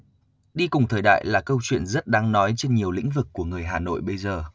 đi cùng thời đại là câu chuyện rất đáng nói trên nhiều lĩnh vực của người hà nội bây giờ